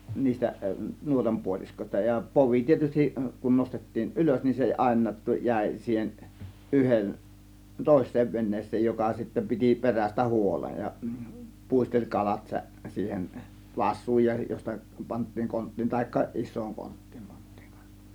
niistä nuotan puoliskoista ja povi tietysti kun nostettiin ylös niin se aina - jäi siihen yhden toiseen veneeseen joka sitten piti perästä huolen ja puisteli kalat - siihen vasuun ja josta pantiin konttiin tai isoon konttiin pantiin kanssa